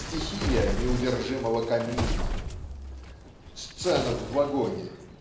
стихия неудержимого комизма. Сцена в вагоне